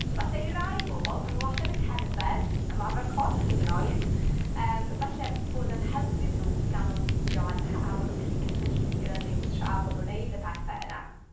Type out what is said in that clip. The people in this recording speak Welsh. So falle i rai bobl, pan maen nhw allan yn cerdded, ymarfer corff hyd yn oed, yym, falle bod e'n help iddyn nhw i ganolbwyntio a'n... a bo' nhw'n gallu cysylltu gyda Duw tra bo' nhw'n wneud y pethe yna.